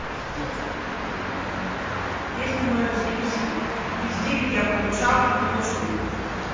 песня noize mc пиздели я получал и получу